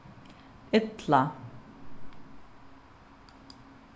illa